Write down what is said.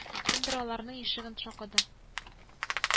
Кемдер аларның ишеген шакыды